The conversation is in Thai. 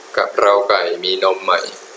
กะเพราไก่มีนมไหม